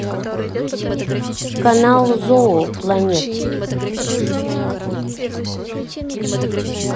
канал зоо планет